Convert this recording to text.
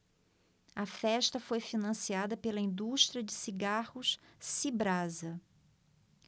a festa foi financiada pela indústria de cigarros cibrasa